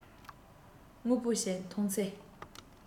དངོས པོ ཞིག མཐོང ཚེ